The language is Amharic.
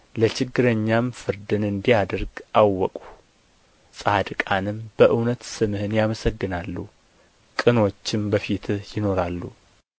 ለችግረኛም ፍርድን እንዲያደርግ አወቅሁ ጻድቃንም በእውነት ስምህን ያመሰግናሉ ቀኖችም በፊትህ ይኖራሉ